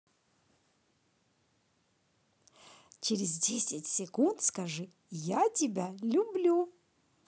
через десять секунд скажи я тебя люблю